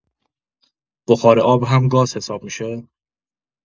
بخار آب هم گاز حساب می‌شه؟